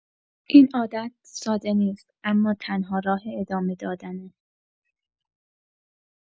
این عادت، ساده نیست، اما تنها راه ادامه دادنه.